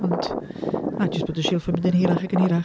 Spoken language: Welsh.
Ond na, jyst bod y silff yn mynd yn hirach ac yn hirach.